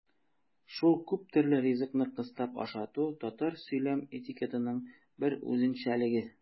Шул күптөрле ризыкны кыстап ашату татар сөйләм этикетының бер үзенчәлеге.